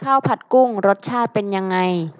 ข้าวผัดกุ้งรสชาติเป็นยังไง